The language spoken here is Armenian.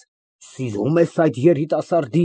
Գնա, հագնվիր, քեզ էլ տանեմ։ Ռոզալիան պատրաստվում է։